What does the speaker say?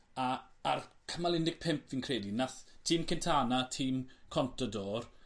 a ar cymal un deg pump fi'n credu nath tîm Quintana a tîm Contador